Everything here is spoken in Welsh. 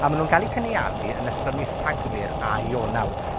A ma' nw'n ga'l 'u cynaeafu yn ystod mis Rhagfyr a Ionawr.